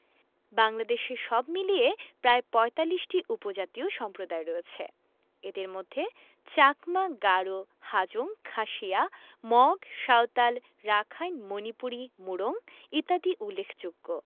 বাংলাদেশে সব মিলিয়ে প্রায় ৪৫টি উপজাতীয় সম্প্রদায় রয়েছে এদের মধ্যে চাকমা গারো হাজং খাসিয়া মগ সাঁওতাল রাখাইন মণিপুরী মুরং ইত্যাদি উল্লেখযোগ্য